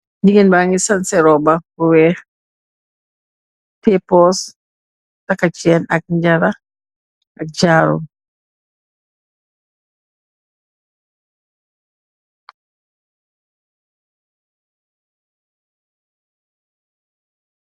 Gigeen ba'ngi sanseh roba bu wèèx teyeh puss , takka cèèn ak njara ak jaru.